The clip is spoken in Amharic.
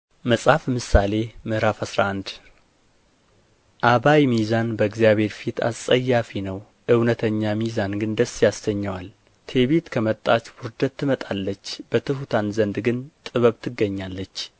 መጽሐፈ ምሳሌ ምዕራፍ አስራ አንድ አባይ ሚዛን በእግዚአብሔር ፊት አስጸያፊ ነው እውነተኛ ሚዛን ግን ደስ ያሰኘዋል ትዕቢት ከመጣች ውርደት ትመጣለች በትሑታን ዘንድ ግን ጥበብ ትገኛለች